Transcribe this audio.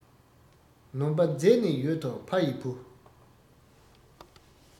ནོམ པ འཛིར ནས ཡོད དོ ཕ ཡི བུ